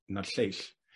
na'r lleill.